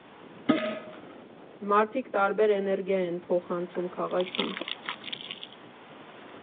Մարդիկ տարբեր էներգիա են փոխանցում քաղաքին։